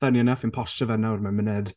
Funny enough fi'n postio fe nawr mewn munud